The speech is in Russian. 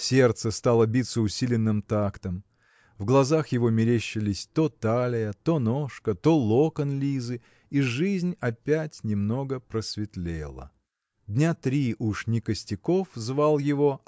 Сердце стало биться усиленным тактом. В глазах его мерещились то талия то ножка то локон Лизы и жизнь опять немного просветлела. Дня три уж не Костяков звал его